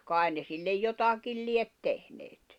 kai ne sille jotakin lie tehneet